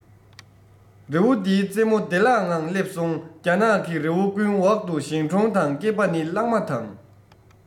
རི བོ འདིའི རྩེ མོ བདེ བླག ངང སླེབས སོང རྒྱ ནག གི རི བོ ཀུན འོག ཏུ ཞིང གྲོང དང སྐེད པ ནི གླང མ དང